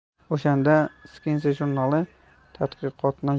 o'shanda sciense jurnali tadqiqotni